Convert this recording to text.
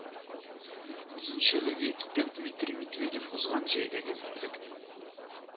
Үзенчәлеге итеп дмитрий медведев узган җәйдәге эсселекне